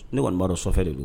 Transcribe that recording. Ne kɔni'a dɔn sofɛ de don